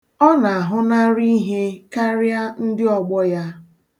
Ọ na-ahụnarị ihe karịa ndị ọgbọ ya.